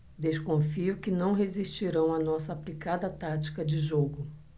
desconfio que não resistirão à nossa aplicada tática de jogo